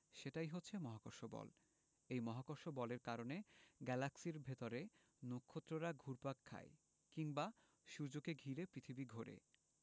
সেটাই হচ্ছে মহাকর্ষ বল এই মহাকর্ষ বলের কারণে গ্যালাক্সির ভেতরে নক্ষত্ররা ঘুরপাক খায় কিংবা সূর্যকে ঘিরে পৃথিবী ঘোরে